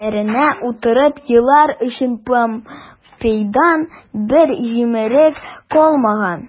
Хәтеренә утырып елар өчен помпейдан бер җимерек калмаган...